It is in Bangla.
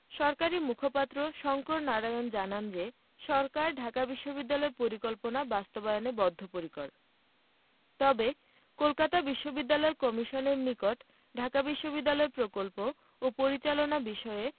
সরকারি মুখপাত্র শঙ্কর নারায়ণ জানান যে সরকার ঢাকা বিশ্ববিদ্যালয় পরিকল্পনা বাস্তবায়নে বদ্ধপরিকর তবে কলকাতা বিশ্ববিদ্যালয় কমিশনের নিকট ঢাকা বিশ্ববিদ্যালয় প্রকল্প ও পরিচালনা বিষয়ে